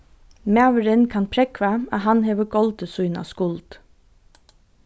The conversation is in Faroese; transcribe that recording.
maðurin kann prógva at hann hevur goldið sína skuld